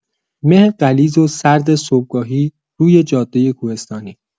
مه غلیظ و سرد صبحگاهی روی جاده کوهستانی